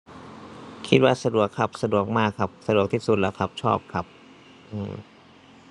คิดว่าสะดวกครับ สะดวกมากครับ สะดวกที่สุดแล้วครับ ชอบครับ อือ